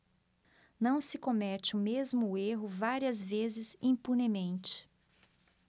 não se comete o mesmo erro várias vezes impunemente